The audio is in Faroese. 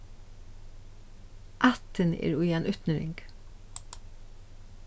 ættin er í ein útnyrðing